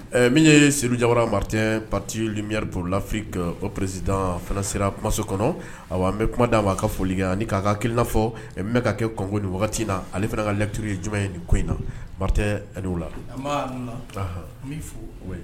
Min ye sjara maritɛ patili miri duuru lafifin ka ppresid seraso kɔnɔ a an bɛ kuma d' a' aa ka foli kɛ ni k'a kakiinafɔ bɛ ka kɛ kɔnko wagati na ale fana ka lɛtiri ye jumɛn ye nin ko in na maritɛ la